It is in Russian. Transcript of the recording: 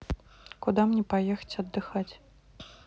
куда мне поехать отдыхать